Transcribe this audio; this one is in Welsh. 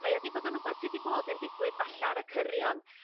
mae o 'di bod yn r'wbath su' 'di bod yn digwydd falla ar y cyrion